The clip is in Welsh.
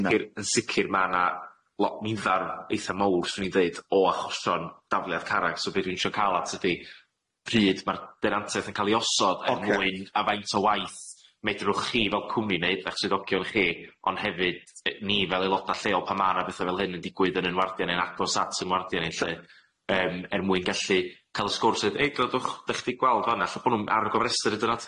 Ia yy yn sicir yn sicir ma' na lo- ma na nifer eitha mowr swn i'n ddeud o achosion dafliad carreg so be' rywun isio ca'l at ydi pryd ma'r denantiaeth yn ca'l i osod... Ocê. ...er mwyn a faint o waith medrwch chi fel cwmni neud a'ch swyddogion chi on' hefyd yy ni fel aeloda lleol pan ma' arna betha fel hyn yn digwydd yn y nwardia' neu'n agos at y nwardia' neu'n lle yym er mwyn gallu ca'l y sgwrs a ddeud yy gr'odwch dach chdi gweld fan'na lle bo' nw'n ar y gofrestyr hyd yn od?